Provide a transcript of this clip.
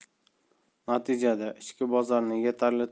natijada ichki bozorni yetarli